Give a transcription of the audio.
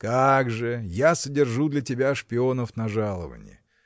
– Как же, я содержу для тебя шпионов на жалованье.